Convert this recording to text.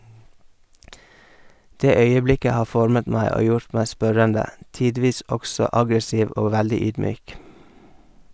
Det øyeblikket har formet meg og gjort meg spørrende, tidvis også aggressiv og veldig ydmyk.